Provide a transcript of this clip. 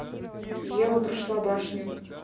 ева прошла башню